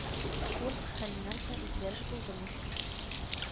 Курск хәленнән соң үзгәреш булдымы